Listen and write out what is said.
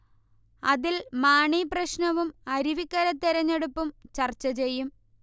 അതിൽ മാണി പ്രശ്നവും അരുവിക്കര തെരഞ്ഞെടുപ്പും ചർച്ചചെയ്യും